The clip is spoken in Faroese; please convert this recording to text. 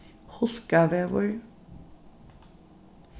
hulkavegur